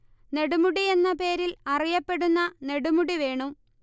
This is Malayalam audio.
നെടുമുടി എന്ന പേരിൽ അറിയപ്പെടുന്ന നെടുമുടി വേണു